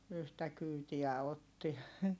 yhtä kyytiä otti